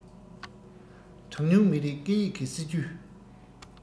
གྲངས ཉུང མི རིགས སྐད ཡིག གི སྲིད ཇུས